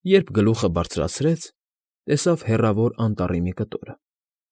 Երբ գլուխը բաձրացրեց, տեսավ հեռավոր անտառի մի կտորը։